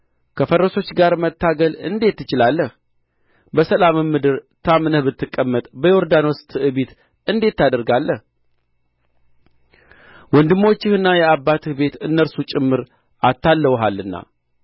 ከፈረሶች ጋር መታገል እንዴት ትችላለህ በሰላምም ምድር ታምነህ ብትቀመጥ በዮርዳኖስ ትዕቢት እንዴት ታደርጋለህ ወንድሞችህና የአባትህ ቤት እነርሱ ጭምር አታልለውሃልና